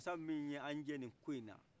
masa min ye an jɛ ni ko inna